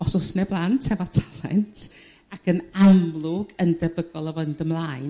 os o's 'na blant hefo talent ac yn amlwg yn debygol o fynd ymlaen